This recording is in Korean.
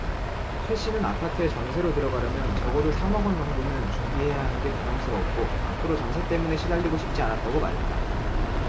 최 씨는 아파트에 전세로 들어가려면 적어도 삼 억원 정도는 준비해야 하는 게 부담스러웠고 앞으로 전세 때문에 시달리고 싶진 않았다고 말했다